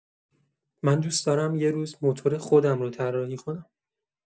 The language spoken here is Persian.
من دوست دارم یه روز موتور خودم رو طراحی کنم.